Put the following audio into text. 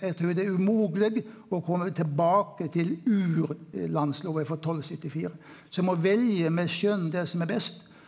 eg trur det er umogleg å kome tilbake til urlandslova ifrå 1274 så ein må velje med skjønn det som er best.